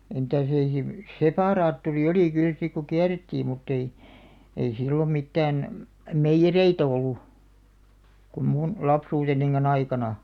- mitäs ei - separaattori oli kyllä sitten kun kierrettiin mutta ei ei silloin mitään meijereitä ollut kun minun lapsuutenikaan aikana